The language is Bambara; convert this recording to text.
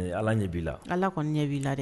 Ala ɲɛ b'i la ala kɔni ɲɛ b'iina dɛ